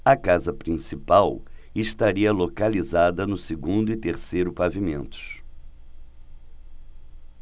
a casa principal estaria localizada no segundo e terceiro pavimentos